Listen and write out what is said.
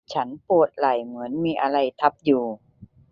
ฉันปวดไหล่เหมือนมีอะไรทับอยู่